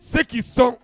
Se k'i sɔn